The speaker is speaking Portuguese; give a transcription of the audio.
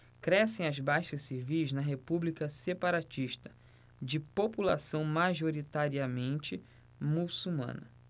crescem as baixas civis na república separatista de população majoritariamente muçulmana